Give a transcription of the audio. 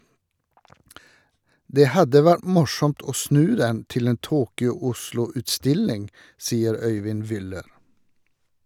Det hadde vært morsomt å snu den til en "Tokyo-Oslo-utstilling", sier Øyvind Wyller.